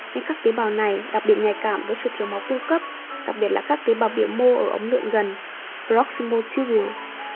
nên các tế bào này đặc biệt nhạy cảm với sự thiếu máu cung cấp đặc biệt là các tế bào biểu mô ở ống lượn gần